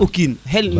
ndax o kiin xel ne